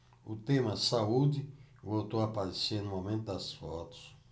o tema saúde voltou a aparecer no momento das fotos